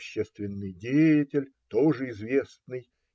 общественный деятель, тоже известный.